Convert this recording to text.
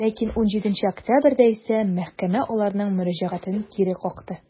Ләкин 17 октябрьдә исә мәхкәмә аларның мөрәҗәгатен кире какты.